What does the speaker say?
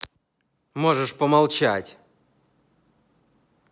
можешь помолчать